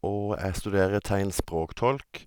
Og jeg studerer tegnspråktolk.